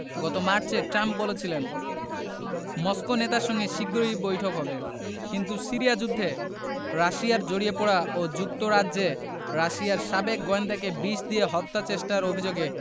গত মার্চে ট্রাম্প বলেছিলেন মস্কো নেতার সঙ্গে শিগগিরই বৈঠক হবে কিন্তু সিরিয়া যুদ্ধে রাশিয়ার জড়িয়ে পড়া ও যুক্তরাজ্যে রাশিয়ার সাবেক গোয়েন্দাকে বিষ দিয়ে হত্যাচেষ্টার অভিযোগে